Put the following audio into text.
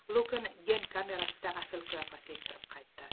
lukn gen kamerasida asl qiyofasiga kirib qaytdi